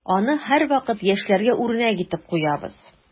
Аны һәрвакыт яшьләргә үрнәк итеп куябыз.